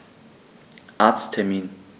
Arzttermin